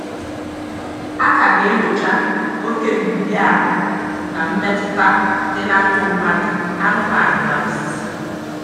A ka ga-enyocha oke mbibi ahụ na mmetụta dị na ndụ mmadụ, anụmanụ na osisi.